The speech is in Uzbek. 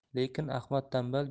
lekin ahmad tanbal